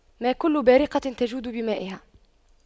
ما كل بارقة تجود بمائها